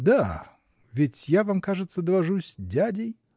-- Да. Ведь я вам, кажется, довожусь дядей?